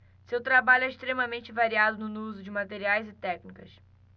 seu trabalho é extremamente variado no uso de materiais e técnicas